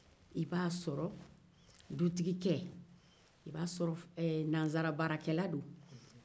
i b'a sɔrɔ dututigike i b'a sɔrɔ nansarabaarakela don